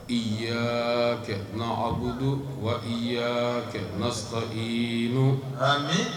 I ya kɛ na abudu wa i yaa kɛ nasita inu